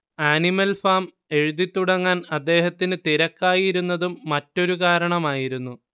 animal Farm എഴുതിത്തുടങ്ങാൻ അദ്ദേഹത്തിന് തിരക്കായിരുന്നതും മറ്റൊരു കാരണമായിരുന്നു